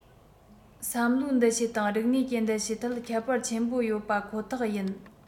བསམ བློའི འདུ ཤེས དང རིག གནས ཀྱི འདུ ཤེས ཐད ཁྱད པར ཆེན པོ ཡོད པ ཁོ ཐག ཡིན